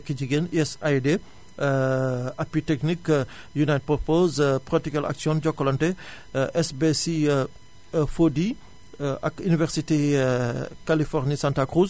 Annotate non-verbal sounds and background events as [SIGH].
tekki jigéen USAID [HESITATION] appui technique [HESITATION] United propose protical action Jokolante SBC4D [HESITATION] ak Université Californie Santa Cruz